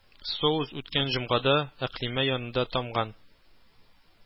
Соус үткән җомгада әкълимә янында тамган